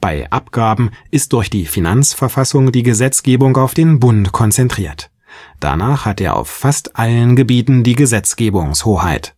Bei Abgaben ist durch die Finanzverfassung die Gesetzgebung auf den Bund konzentriert. Danach hat er auf fast allen Gebieten die Gesetzgebungshoheit.